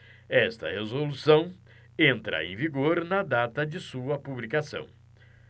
esta resolução entra em vigor na data de sua publicação